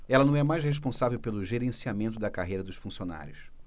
ela não é mais responsável pelo gerenciamento da carreira dos funcionários